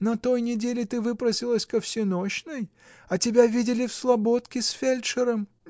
На той неделе ты выпросилась ко всенощной, а тебя видели в слободке с фельдшером.